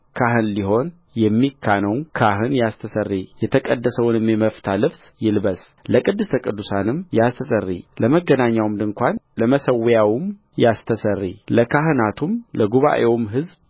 ካህን ሊሆን የሚካነው ካህን ያስተስርይ የተቀደሰውንም የበፍታ ልብስ ይልበስለቅድስተ ቅዱሳኑም ያስተስርይ ለመገናኛውም ድንኳን ለመሠዊያውም ያስተስርይ ለካህናቱም ለጉባኤውም ሕዝብ